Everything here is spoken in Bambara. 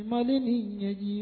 Falen ni jatigi